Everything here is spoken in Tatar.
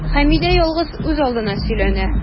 Хәмидә ялгыз, үзалдына сөйләнә.